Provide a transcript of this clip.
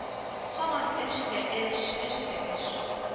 Һаман эш тә эш, эш тә эш…